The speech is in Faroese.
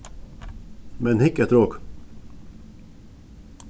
men hygg eftir okum